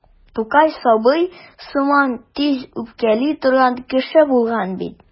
Тукай сабый сыман тиз үпкәли торган кеше булган бит.